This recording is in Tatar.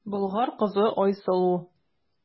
Болгар кызы Айсылу.